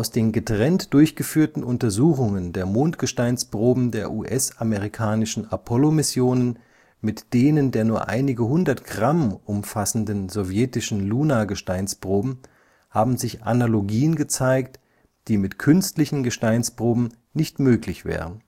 den getrennt durchgeführten Untersuchungen der Mondgesteinsproben der US-amerikanischen Apollo-Missionen mit denen der nur einige hundert Gramm umfassenden sowjetischen Luna-Gesteinsproben haben sich Analogien gezeigt, die mit künstlichen Gesteinsproben nicht möglich wären